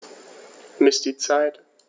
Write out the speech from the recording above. Miss die Zeit.